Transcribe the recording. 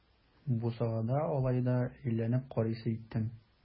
Бусагада алай да әйләнеп карыйсы иттем.